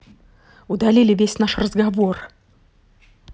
удали весь наш разговор